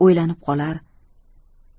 o'ylanib qolar